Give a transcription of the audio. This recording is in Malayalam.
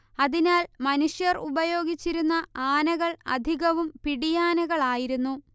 അതിനാൽ മനുഷ്യർ ഉപയോഗിച്ചിരുന്ന ആനകൾ അധികവും പിടിയാനകളായിരുന്നു